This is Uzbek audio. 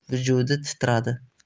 vujudi titradi